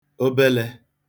obelē